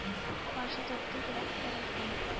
Каршы тотты йөрәк парәсен.